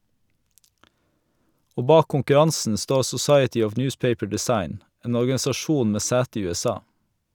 Og bak konkurransen står Society of Newspaper Design, en organisasjon med sete i USA.